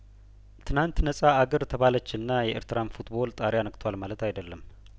ትናንት ነጻ አገር ተባለችና የኤርትራም ፉትቦል ጣሪያነክቷል ማለት አይደለም